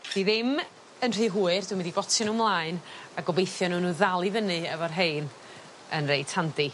'di ddim yn rhy hwyr dwi mynd i botio n'w ymlaen a gobeithio nown n'w ddal i fyny efo rhein yn reit handi.